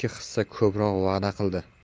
hissa ko'proq va'da qildi